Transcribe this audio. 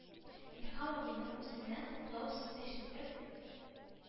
Илһам абыйның үзеннән хуплау сүзе ишетеп,